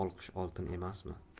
ol olqish oltin emasmi